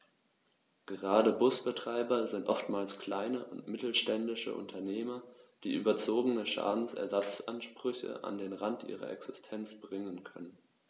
Gerade Busbetreiber sind oftmals kleine und mittelständische Unternehmer, die überzogene Schadensersatzansprüche an den Rand ihrer Existenz bringen können.